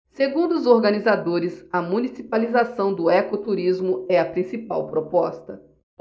segundo os organizadores a municipalização do ecoturismo é a principal proposta